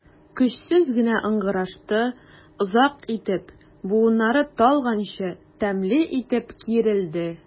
Көчсез генә ыңгырашты, озак итеп, буыннары талганчы тәмле итеп киерелде.